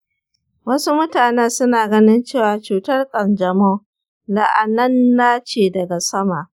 wasu mutanen suna ganin cewa cutar kanjamau la'ananna ce daga sama.